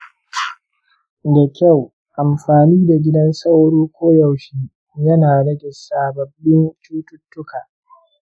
da kyau; amfani da gidan sauro koyaushe yana rage sababbin cututtuka.